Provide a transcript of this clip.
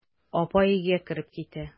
Апа өйгә кереп китә.